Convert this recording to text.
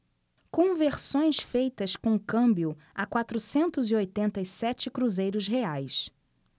conversões feitas com câmbio a quatrocentos e oitenta e sete cruzeiros reais